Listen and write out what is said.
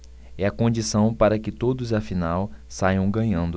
é a condição para que todos afinal saiam ganhando